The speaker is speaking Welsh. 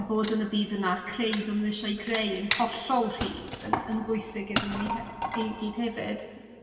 a bod yn y byd yna a creu be ma' nhw isio'i greu yn hollol rhydd yn yn bwysig iddyn nhw i h- i gyd hefyd